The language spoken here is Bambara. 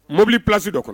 Mobili plasi dɔ kɔnɔ